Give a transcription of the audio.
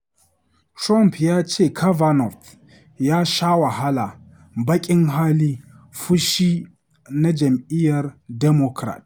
Trump ya ce Kavanaugh ‘ya sha wahala, baƙin hali, fushi’ na Jam’iyyar Democrat